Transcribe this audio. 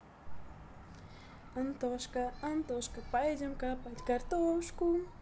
антошка антошка пойдем ка под картошку